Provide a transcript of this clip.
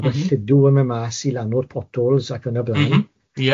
a oedd y lludw yn mynd mas i lanw'r potôls ac yn y blaen... M-hm ie.